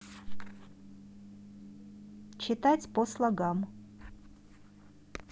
читать по слогам